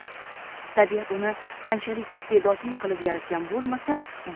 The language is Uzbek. tabiat uni qanchalik iste'dodli qilib yaratgan bo'lmasin